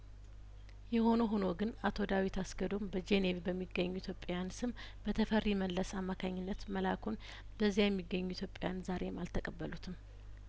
የሆነ ሆኖ ግን አቶ ዳዊት አስገዶም በጄኔቭ በሚገኙት ኢትዮጵያዊያን ስም በተፈሪ መለስ አማካኝነት መላኩን በዚያ የሚገኙ ኢትዮጵያዊያን ዛሬም አልተቀበሉትም